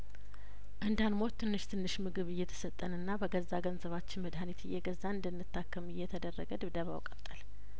እንዳንሞት ትንሽ ትንሽ ምግብ እየተሰጠንና በገዛ ገንዘባችን መድሀኒት እየገዛን እንድንታከም እየተደረገ ድብደባው ቀጠለ